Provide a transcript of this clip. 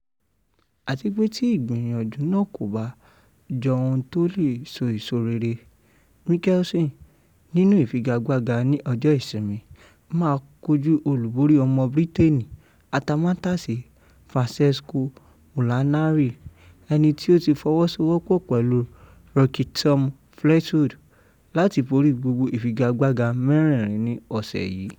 Àti pé tí ìgbìyànjú náà kò bá jọ ohun tí ó le so èso rere, Mickelson, nínú ìfigagbága ní ọjọ́ Ìsinmi, máa kojú olùbórí ọmọ Bírítènì atamátàṣe Francesco Molinari, ẹnití ó ti fọwọ́sowọ́pọ̀ pẹ̀lú rookie Tommy Fleetwood láti borí gbogbo ìfigagbága mẹ́rẹ̀ẹ̀rin ní ọ̀ṣẹ̀ yìí.